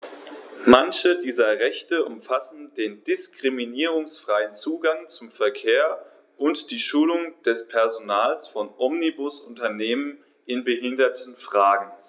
Manche dieser Rechte umfassen den diskriminierungsfreien Zugang zum Verkehr und die Schulung des Personals von Omnibusunternehmen in Behindertenfragen.